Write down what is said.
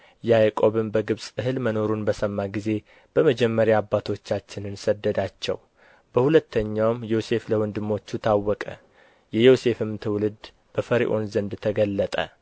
ያዕቆብም በግብፅ እህል መኖሩን በሰማ ጊዜ በመጀመሪያ አባቶቻችንን ሰደዳቸው በሁለተኛውም ዮሴፍ ለወንድሞቹ ታወቀ የዮሴፍም ትውልድ በፈርዖን ዘንድ ተገለጠ